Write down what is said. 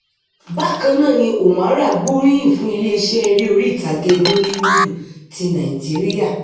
Bákan náà ni Omarah gbóríyìn fún iléeṣẹ́ eré orí ìtàgé Nollywood ti Nàìjíríà.